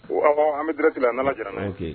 Awɔ an bɛ direct la ni Ala jɛna na ye.